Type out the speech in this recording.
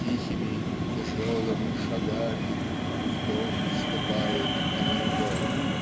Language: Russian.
Тихими, тяжелыми шагами В дом вступает Командор.